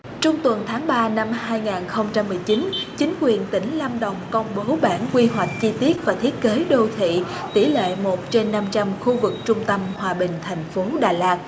trung tuần tháng ba năm hai ngàn không trăm mười chín chính quyền tỉnh lâm đồng công bố bản quy hoạch chi tiết và thiết kế đô thị tỷ lệ một trên năm trăm khu vực trung tâm hòa bình thành phố đà lạt